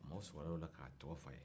mɔgɔ sɔrɔla o la ka tɔgɔ fɔ a ye